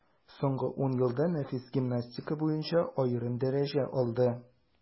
Соңгы ун елда нәфис гимнастика аерым дәрәҗәгә алды.